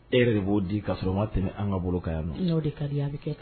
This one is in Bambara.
E yɛrɛ de b'o di k'a sɔrɔ o ma tɛmɛn an ka bolo kan yan. N'o de kadi i ye !